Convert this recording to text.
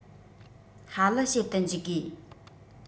ཧ ལི བྱེད དུ འཇུག དགོས